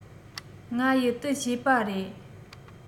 ང ཡི ཏུ བྱས པ རེད